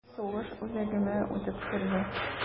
Сугыш үзәгемә үтеп керде...